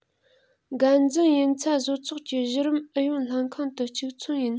འགན འཛིན ཡུན ཚད བཟོ ཚོགས ཀྱི གཞི རིམ ཨུ ཡོན ལྷན ཁང དང གཅིག མཚུངས ཡིན